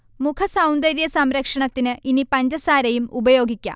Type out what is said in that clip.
മുഖ സൗന്ദര്യ സംരക്ഷണത്തിന് ഇനി പഞ്ചസാരയും ഉപയോഗിക്കാം